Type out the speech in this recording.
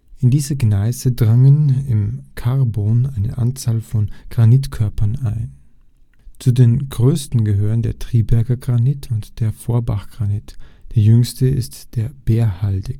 In diese Gneise drangen im Karbon eine Anzahl von Granitkörpern ein. Zu den größeren gehören der Triberger Granit und der Forbachgranit, der jüngste ist der